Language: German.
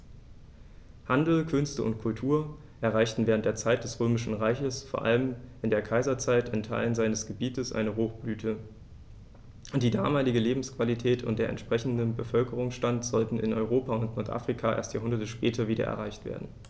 Handel, Künste und Kultur erreichten während der Zeit des Römischen Reiches, vor allem in der Kaiserzeit, in Teilen seines Gebietes eine Hochblüte, die damalige Lebensqualität und der entsprechende Bevölkerungsstand sollten in Europa und Nordafrika erst Jahrhunderte später wieder erreicht werden.